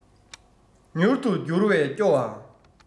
མྱུར དུ འགྱུར བས སྐྱོ བ